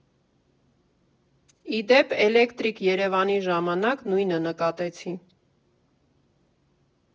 Ի դեպ, «Էլեկտրիկ Երևանի» ժամանակ նույնը նկատեցի։